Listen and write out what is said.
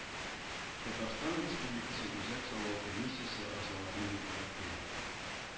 Татарстан Республикасы Үзәк сайлау комиссиясе әгъзаларын билгеләп куя